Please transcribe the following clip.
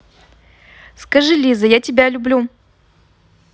скажи лиза я тебя люблю